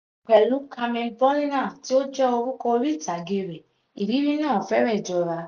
Pẹ̀lú Carmen Bolena, tí ó jẹ́ orúkọ orí ìtàgé rẹ̀, ìrírí náà fẹ́rẹ̀ jọra.